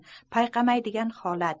payqamaydigan holat